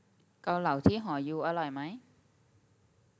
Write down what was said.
เกาเหลาที่หอยูอร่อยไหม